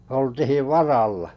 oltiin varalla